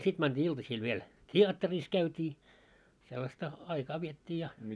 sitten mentiin iltasilla vielä teatterissa käytiin sellaista aikaa vietettiin ja